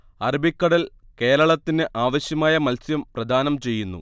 അറബിക്കടൽ കേരളത്തിന് ആവശ്യമായ മത്സ്യം പ്രദാനം ചെയ്യുന്നു